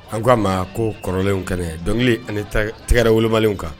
An k ko a ma ko kɔrɔlen ka dɔnkili ani tɛgɛɛrɛ wolobali kan